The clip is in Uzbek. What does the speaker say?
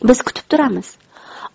biz kutib turamiz